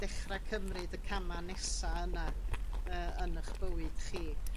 dechra cymryd y cama' nesa' yna yy yn 'ych bywyd chi?